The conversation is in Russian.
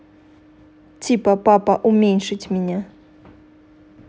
типа папа уменьшить меня